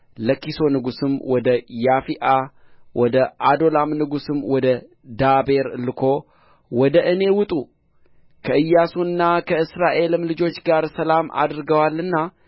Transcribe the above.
ለኪሶ ንጉሥም ወደ ያፊዓ ወደ አዶላም ንጉሥም ወደ ዳቤር ልኮ ወደ እኔ ውጡ ከኢያሱና ከእስራኤልም ልጆች ጋር ሰላም አድርገዋልና